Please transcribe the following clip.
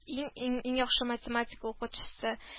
Иң иң иң яхшы математика укытучысы